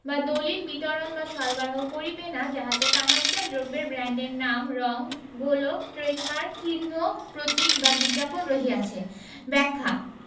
বা দলিল বিতরণ বা সরবরাহ করিবেনা যাহাতে তামাকজাত দ্রব্যের ব্রান্ডের নাম রং গোলোগ ট্রেডমার্ক চিহ্ন প্রতীক বা বিজ্ঞাপন রহিয়াছে ব্যাখ্যা